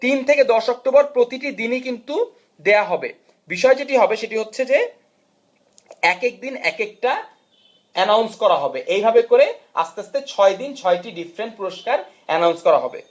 3 থেকে 10 অক্টোবর প্রতিটি দিনই কিন্তু দেয়া হবে বিষয় যেটি হবে সেটি হচ্ছে যে একেক দিন একেক টা এনাউন্স করা হবে এইভাবে আস্তে আস্তে 6 দিনে 6 টি ডিফারেন্ট পুরস্কার অ্যানাউন্স করা হবে